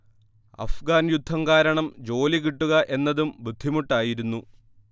അഫ്ഗാൻ യുദ്ധം കാരണം ജോലി കിട്ടുക എന്നതും ബുദ്ധിമുട്ടായിരുന്നു